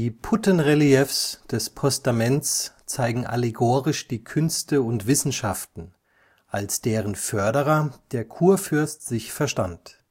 Puttenreliefs des Piedestals zeigen allegorisch die Künste und Wissenschaften, als deren Förderer der Kurfürst sich verstand